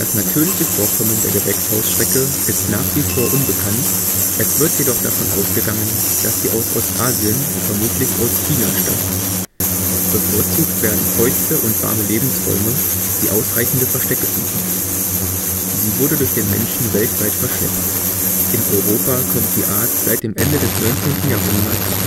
natürliche Vorkommen der Gewächshausschrecke ist nach wie vor unbekannt, es wird jedoch davon ausgegangen, dass sie aus Ostasien, vermutlich aus China stammt. Bevorzugt werden feuchte und warme Lebensräume, die ausreichende Verstecke bieten. Sie wurde durch den Menschen weltweit verschleppt. In Europa kommt die Art seit dem Ende des 19. Jahrhunderts